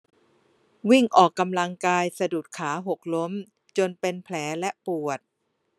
วิ่งออกกำลังกายสะดุดขาหกล้มจนเป็นแผลและปวด